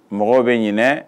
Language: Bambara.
Mɔgɔw bɛ ɲin